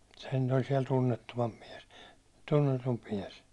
sehän nyt nyt oli siellä tunnettuvampi mies tunnetumpi mies